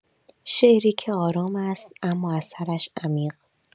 شعری که آرام است، اما اثرش عمیق؛